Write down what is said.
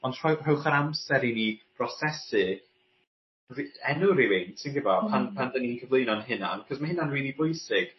ond rhoi rhowch yr amser i ni brosesu ri- enw rywun ti'n gwybo pan pan 'dan ni'n cyflwyno'n hunan a'c'os ma' hynna'n rili bwysig.